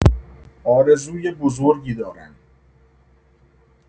آرزوی بزرگی دارم.